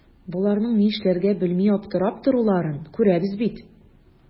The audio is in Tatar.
Боларның ни эшләргә белми аптырап торуларын күрәбез бит.